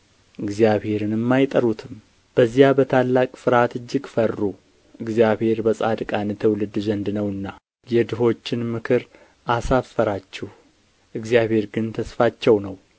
እግዚአብሔርንም አይጠሩትም በዚያ በታላቅ ፍርሃት እጅግ ፈሩ እግዚአብሔር በጻድቃን ትውልድ ዘንድ ነውና የድሆችን ምክር አሳፈራችሁ እግዚአብሔር ግን ተስፋቸው ነው